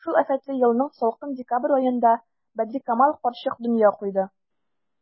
Шул афәтле елның салкын декабрь аенда Бәдрикамал карчык дөнья куйды.